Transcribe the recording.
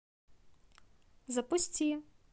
запусти